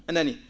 a nanii